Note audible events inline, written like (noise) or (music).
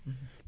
(hesitation) (hesitation)